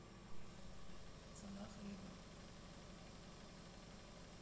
цена хлеба